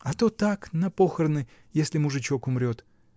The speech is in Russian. А то так на похороны, если мужичок умрет.